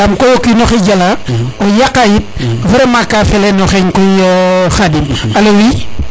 yaam koy o kino xe jala o yaqa yit vraiment fele no xeñ koy Khadim alo oui